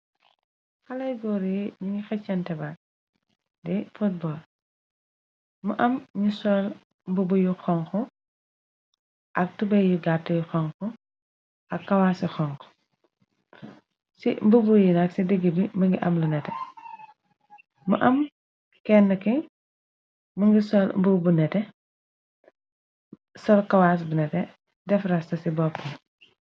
Xale yi góor yi yi ngi xechante ba di fotball mu am ni sol mbubu yu xonku ak tubey yu gàtti xonxu ak kawasi xonko ci mbubur yin ak ci digg bi më ngi amlu nete mu am kenn ki mu ngi sol kawaas bu nete def rasta ci bopp bi.